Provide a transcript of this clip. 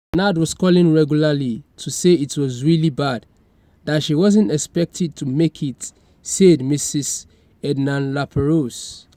"Nad was calling regularly to say it was really bad, that she wasn't expected to make it," said Mrs Ednan-Laperouse.